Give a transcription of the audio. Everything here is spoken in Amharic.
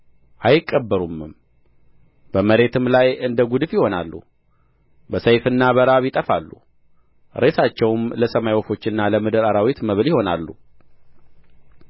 አይቀበሩምም በመሬትም ላይ እንደ ጕድፍ ይሆናሉ በሰይፍና በራብ ይጠፋሉ ሬሳቸውም ለሰማይ ወፎችና ለምድር አራዊት መብል ይሆናሉ